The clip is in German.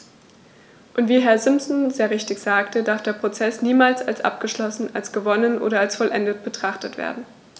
Und wie Herr Simpson sehr richtig sagte, darf der Prozess niemals als abgeschlossen, als gewonnen oder als vollendet betrachtet werden.